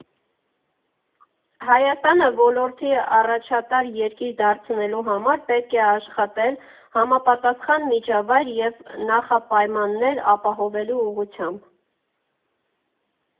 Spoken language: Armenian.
Հայաստանը ոլորտի առաջատար երկիր դարձնելու համար պետք է աշխատել համապատասխան միջավայր և նախապայմաններ ապահովելու ուղղությամբ։